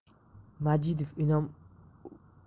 majidov inom urishevich oliy